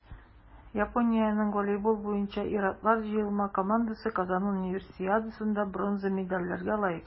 Япониянең волейбол буенча ир-атлар җыелма командасы Казан Универсиадасында бронза медальләргә лаек булды.